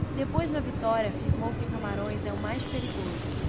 depois da vitória afirmou que camarões é o mais perigoso